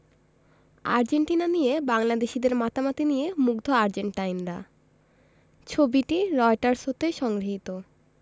Argentina নিয়ে বাংলাদেশিদের মাতামাতি নিয়ে মুগ্ধ আর্জেন্টাইনরা ছবিটি রয়টার্স হতে সংগৃহীত